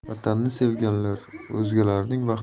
vatanini sevganlar o'zgalarning